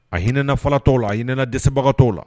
A hinɛ fara tɔw la a hinɛ dɛsɛsebagatɔw la